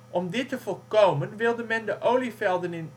Om dit te voorkomen wilde men de olievelden in